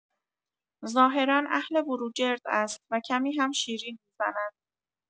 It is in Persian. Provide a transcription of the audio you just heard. ظاهرا اهل بروجرد است و کمی هم شیرین می‌زند.